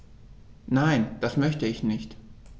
Nein, das möchte ich nicht.